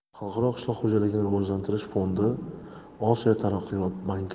xalqaro qishloq xo'jaligini rivojlantirish fondi osiyo taraqqiyot banki